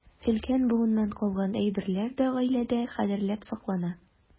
Өлкән буыннан калган әйберләр дә гаиләдә кадерләп саклана.